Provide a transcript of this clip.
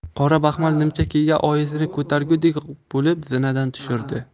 qora baxmal nimcha kiygan oyisini ko'targudek bo'lib zinadan tushirdi